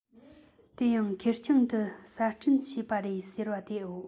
དེ ཡང ཁེར རྐྱང དུ གསར སྐྲུན བྱས པ རེད ཟེར བ དེའོ